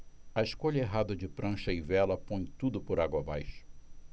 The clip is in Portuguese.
a escolha errada de prancha e vela põe tudo por água abaixo